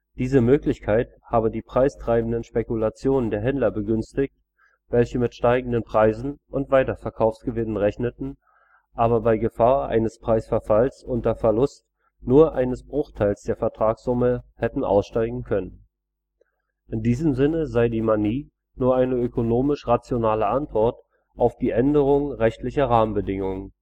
Diese Möglichkeit habe die preistreibenden Spekulationen der Händler begünstigt, welche mit steigenden Preisen und Weiterverkaufsgewinnen rechneten, aber bei Gefahr eines Preisverfalls unter Verlust nur eines Bruchteils der Vertragssumme hätten aussteigen können. In diesem Sinne sei die Manie nur eine ökonomisch-rationale Antwort auf die Änderung rechtlicher Rahmenbedingungen